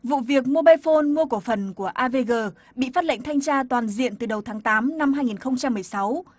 vụ việc mô bai phôn mua cổ phần của a vê gờ bị phát lệnh thanh tra toàn diện từ đầu tháng tám năm hai nghìn không trăm mười sáu